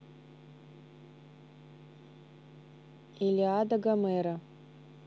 илиада гомера